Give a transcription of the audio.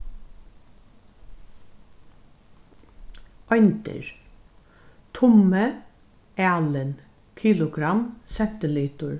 eindir tummi alin kilogramm sentilitur